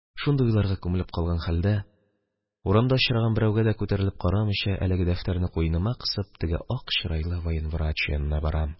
Шундый уйларга күмелеп калган хәлдә, урамда очраган берәүгә дә күтәрелеп карамыйча, әлеге дәфтәрне кочаклап, теге ак чырайлы военврач янына барам.